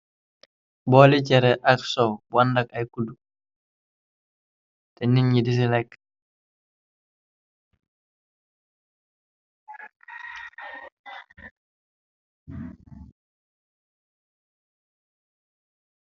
booli jare ak sow wàndak ay kuddu té nit nyi disilekk